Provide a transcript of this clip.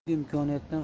bugungi imkoniyatdan